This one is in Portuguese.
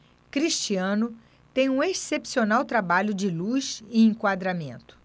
cristiano tem um excepcional trabalho de luz e enquadramento